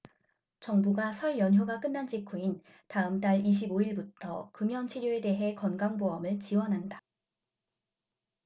정부가 설 연휴가 끝난 직후인 다음 달 이십 오 일부터 금연치료에 대해 건강보험을 지원한다